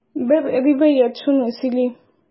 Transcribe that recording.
Бер риваять шуны сөйли.